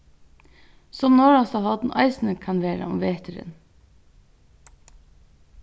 sum norðasta horn eisini kann vera um veturin